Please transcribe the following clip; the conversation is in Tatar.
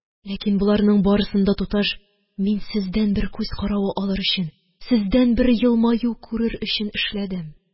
Ләкин боларның барысын да, туташ, мин сездән бер күз каравы алыр өчен, сездән бер елмаю күрер өчен эшләдем...